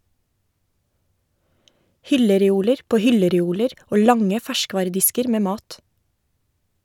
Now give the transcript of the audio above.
Hyllereoler på hyllereoler og lange ferskvaredisker med mat.